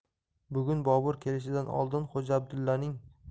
bugun bobur kelishidan oldin xo'ja abdullaning